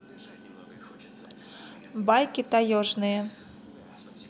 байки таежные